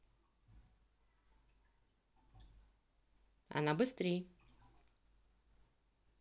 она быстрей